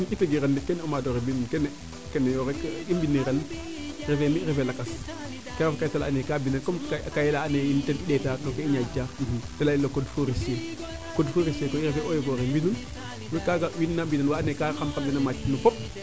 in e tegiran de keene o maadoxe bindun kene kene yoo rek i mbini ran refee mi ref lakas ka ref a kayta la andpo nayee ka mbindel comme a kaye la ando naye in te i ndeta ten i ñaaƴ taa te leyel le code forestiers code forestiers koy refee eaux et foret bindun kaaga wiina na mbinan waa ano naye xel den kaa paac no fop